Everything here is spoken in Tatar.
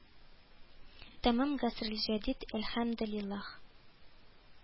Тәмам Гасрелҗәдид , әлхәмде лиллаһ